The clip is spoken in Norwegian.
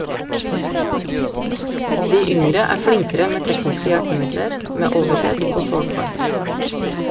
De yngre er flinkere med tekniske hjelpemidler, med overhead og powerpoint.